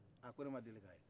a ko ne ma deli k'a ye